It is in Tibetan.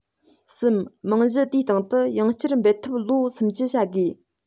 གསུམ རྨང གཞི དེའི སྟེང དུ ཡང བསྐྱར འབད འཐབ ལོ སུམ ཅུ བྱ དགོས